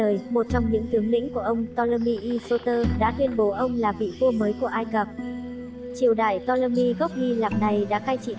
một trong những tướng lĩnh của ông ptolemy i soter đã tuyên bố ông là vị vua mới của ai cập triều đại ptolemy gốc hy lạp này đã cai trị ai cập